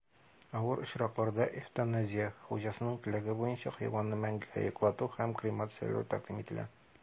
Авыр очракларда эвтаназия (хуҗасының теләге буенча хайванны мәңгегә йоклату һәм кремацияләү) тәкъдим ителә.